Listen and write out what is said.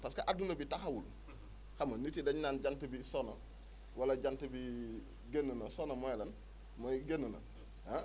parce que adduna bi taxawul xam nga nit yi dañ naan jant bi so na wala jant bi génn na so na mooy lan mooy génn na ah